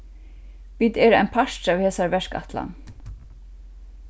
vit eru ein partur av hesari verkætlan